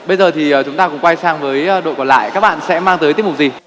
bây giờ thì chúng ta cùng quay sang với đội còn lại các bạn sẽ mang tới tiết mục gì